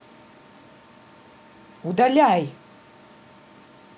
удаляй